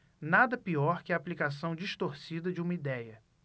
nada pior que a aplicação distorcida de uma idéia